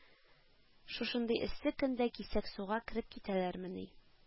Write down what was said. Шушындый эссе көндә кисәк суга кереп китәләрмени